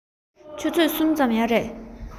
ཆུ ཚོད གསུམ ཙམ ཡོད རེད